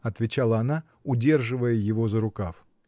— отвечала она, удерживая его за рукав.